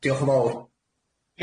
Diolch'n fowr.